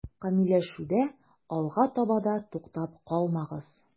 Камилләшүдә алга таба да туктап калмагыз.